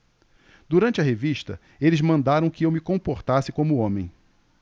durante a revista eles mandaram que eu me comportasse como homem